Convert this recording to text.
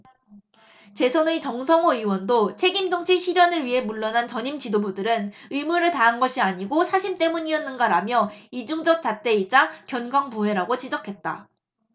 재선의 정성호 의원도 책임정치 실현을 위해 물러난 전임 지도부들은 의무를 다한 것이 아니고 사심 때문이었는가라며 이중적 잣대이자 견강부회라고 지적했다